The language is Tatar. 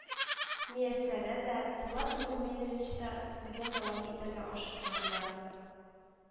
Мияссәрә дә, Булат Мөэминович та сүзне дәвам итәргә ашыкмадылар